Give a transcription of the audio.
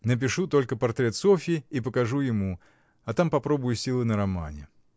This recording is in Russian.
Напишу только портрет Софьи и покажу ему, а там попробую силы на романе.